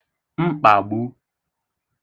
mkpàgbu